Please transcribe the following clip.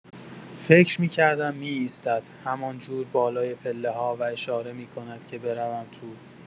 فکر می‌کردم می‌ایستد همان‌جور بالای پله‌ها و اشاره می‌کند که بروم تو.